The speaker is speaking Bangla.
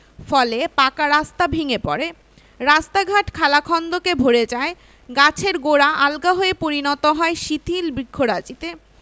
ফলে পাকা রাস্তা ভেঙ্গে পড়ে রাস্তাঘাট খানাখন্দকে ভরে যায় গাছের গোড়া আলগা হয়ে পরিণত হয় শিথিল বৃক্ষরাজিতে